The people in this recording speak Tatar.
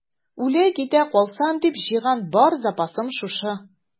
Үлә-китә калсам дип җыйган бар запасым шушы.